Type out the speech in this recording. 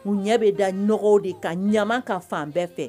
U ɲɛ bɛ da nɔgɔw de kan ɲama kan fan bɛɛ